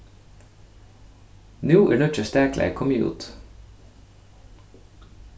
nú er nýggja staklagið komið út